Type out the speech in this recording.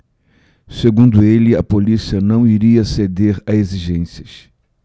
segundo ele a polícia não iria ceder a exigências